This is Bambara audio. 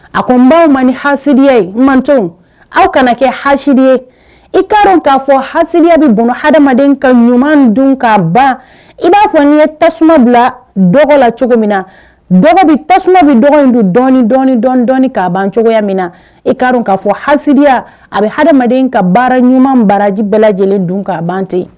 A ko n baw man ni haya ye mant aw kana kɛ hadi ye i k kaa k'a fɔ haya bɛ bolo ha adamaden ka ɲuman dun k'a ban i b'a fɔ n' ye tasuma bila dɔgɔ la cogo min na dɔgɔ bɛ tasuma bɛ dɔgɔ don dɔ dɔɔni dɔndɔ kaa ban cogoya min na i kaa k'a fɔ haya a bɛ ha adamaden ka baara ɲuman baraji bɛɛ lajɛlen dun k'a bante